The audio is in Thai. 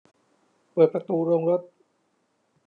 เปิดประตูโรงรถ